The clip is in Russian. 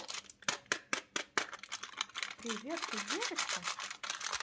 привет ты девочка